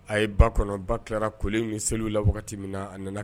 A ye ba kɔnɔba tila kolen seli la wagati min na a nana